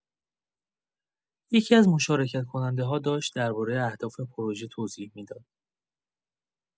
یکی‌از مشارکت‌کننده‌ها داشت درباره اهداف پروژه توضیح می‌داد.